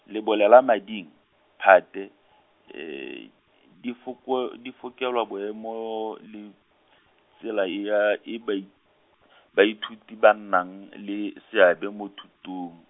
lebolela mading, phate, di foko di fokelwa boemo, le tsela e ya e bai-, baithuti ba nnang le seabe mo thutong.